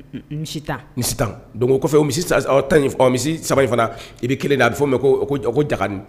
Misi don kɔfɛ tan misi saba fana i bɛ kelen' a bɛ fɔ' mɛ ko ko jaani